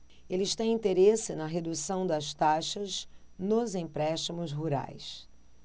eles têm interesse na redução das taxas nos empréstimos rurais